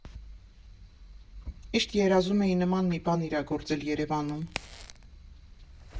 Միշտ երազում էի նման մի բան իրագործել Երևանում։